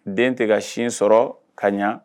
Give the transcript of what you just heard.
Den tɛ ka sin sɔrɔ ka ɲɛ